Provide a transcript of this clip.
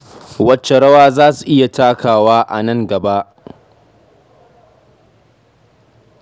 Wacce rawa za su iya takawa a nan gaba?